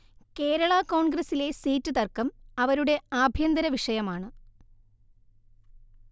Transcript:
കേരള കോണ്ഗ്രസിലെ സീറ്റ് തര്ക്കം അവരുടെ ആഭ്യന്തര വിഷയമാണ്